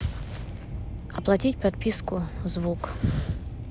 оплатить подписку звук